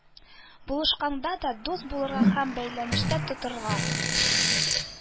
Буллашканда да дус булырга, һаман бәйләнештә торырга